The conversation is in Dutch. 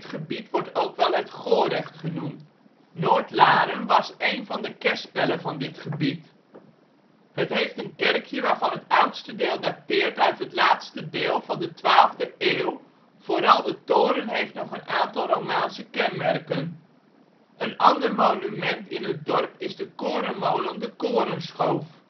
gebied wordt ook wel het Gorecht genoemd. Noordlaren was een van de kerspelen van dit gebied. Het heeft een kerkje waarvan het oudste deel dateert uit het laatste deel van de 12e eeuw, vooral de toren heeft nog een aantal romaanse kenmerken. Zie Bartholomeüskerk (Noordlaren) voor het hoofdartikel over dit onderwerp. Een ander monument in het dorp is de korenmolen De Korenschoof